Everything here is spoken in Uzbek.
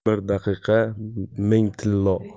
bir daqiqa ming tillo